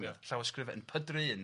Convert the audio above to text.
ma' llawysgrifa yn pydru, yn